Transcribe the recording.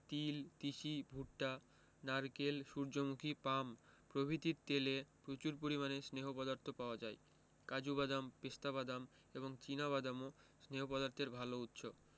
তিল তিসি ভুট্টা নারকেল সুর্যমুখী পাম প্রভৃতির তেলে প্রচুর পরিমাণে স্নেহ পদার্থ পাওয়া যায় কাজু বাদাম পেস্তা বাদাম এবং চিনা বাদামও স্নেহ পদার্থের ভালো উৎস